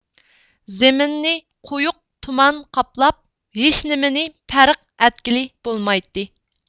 زېمىننى قويۇق تۇمان قاپلاپ ھېچنىمىنى پەرق ئەتكىلى بولمايتتى